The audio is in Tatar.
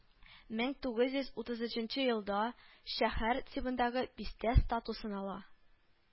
Мең тугыз йөз утыз өченче елда шәһәр тибындагы бистә статусын ала